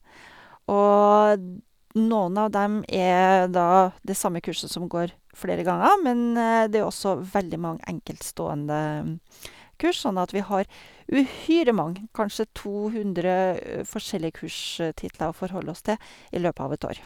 Og d noen av dem er da det samme kurset som går flere ganger, men det er også veldig mange enkeltstående kurs, sånn at vi har uhyre mange, kanskje to hundre, forskjellige kurstitler å forholde oss til i løpet av et år.